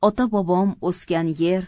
ota bobom o'sgan yer